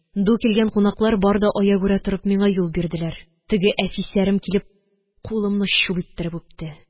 Ду килгән кунаклар бар да, аягүрә торып, миңа юл бирделәр. Теге әфисәрем килеп кулымны чуп иттереп үпте.